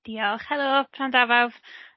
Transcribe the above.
Diolch. Helo, pnawn da bawb.